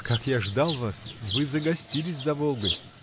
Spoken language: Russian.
— Как я ждал вас: вы загостились за Волгой!